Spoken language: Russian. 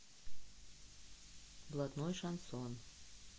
блатной шансон